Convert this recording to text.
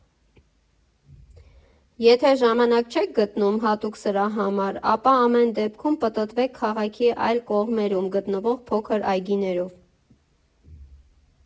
Եթե ժամանակ չեք գտնում հատուկ սրա համար, ապա ամեն դեպքում պտտվեք քաղաքի այլ կողմերում գտնվող փոքր այգիներով։